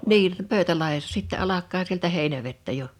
niin Pöytälahdessa sitten alkaa sieltä Heinävettä jo